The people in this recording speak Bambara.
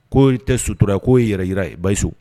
Ko tɛ sutura k'o yɛrɛ jira basi so